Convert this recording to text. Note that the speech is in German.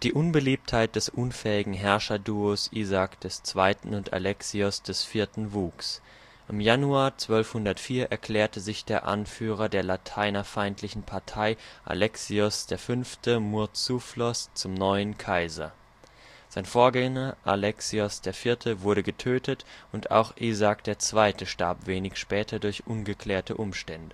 Unbeliebtheit des unfähigen Herrscherduos Isaak II. und Alexios IV. wuchs. Im Januar 1204 erklärte sich der Anführer der lateinerfeindlichen Partei, Alexios V. Murtzouphlos, zum neuen Kaiser. Sein Vorgänger Alexios IV. wurde getötet, und auch Isaak II. starb wenig später durch ungeklärte Umstände